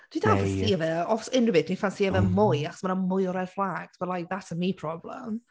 Fi dal yn ffansïo fe, os unrhyw beth dwi’n ffansïo fe mwy achos mae 'na mwy o red flags but like, that’s a me problem.